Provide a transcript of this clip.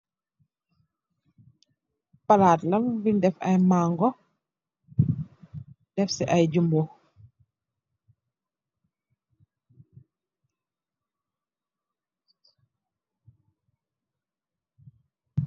Palat la bung def ay mango defsi ay jumbo.